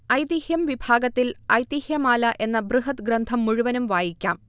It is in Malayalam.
ഐതിഹ്യം വിഭാഗത്തിൽ 'ഐതിഹ്യമാല' എന്ന ബൃഹത്ഗ്രന്ഥം മുഴുവനും വായിക്കാം